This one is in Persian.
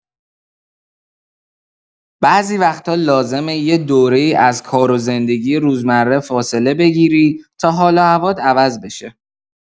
بعضی وقتا لازمه یه دوره‌ای از کار و زندگی روزمره فاصله بگیری تا حال و هوات عوض بشه.